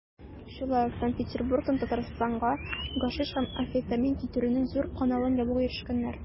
Шулай ук Санкт-Петербургтан Татарстанга гашиш һәм амфетамин китерүнең зур каналын ябуга ирешкәннәр.